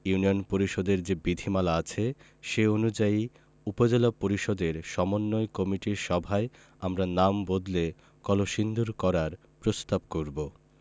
union পরিষদের যে বিধিমালা আছে সে অনুযায়ী উপজেলা পরিষদের সমন্বয় কমিটির সভায় আমরা নাম বদলে কলসিন্দুর করার প্রস্তাব করব